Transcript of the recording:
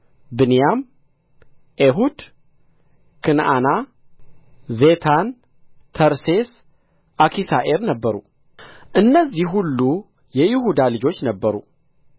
ብንያም ኤሁድ ክንዓና ዜታን ተርሴስ አኪሳአር ነበሩ እነዚህ ሁሉ የይዲኤል ልጆች ነበሩ